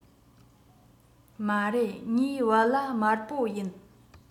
མ རེད ངའི བལ ལྭ དམར པོ ཡིན